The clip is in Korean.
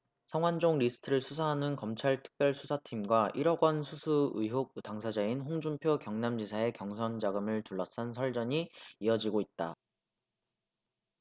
성완종 리스트를 수사하는 검찰 특별수사팀과 일 억원 수수 의혹 당사자인 홍준표 경남지사의 경선 자금을 둘러싼 설전이 이어지고 있다